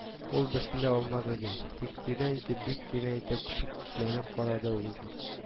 Ул берсен дә алмады, ди, тик тирән итеп, бик тирән итеп шикләнеп карады, ул ди